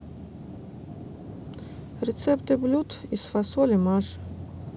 рецепты блюд из фасоли маш